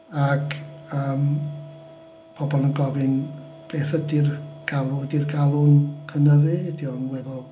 Ac yym pobl yn gofyn "beth ydy'r galw, ydy'r galw'n cynnyddu? Ydy o'n weddol...